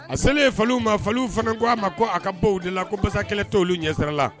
A seleen faliw ma faliw fana ko a ma ko a ka bɔ u dala ko basakɛlɛ t'olu ɲɛsira la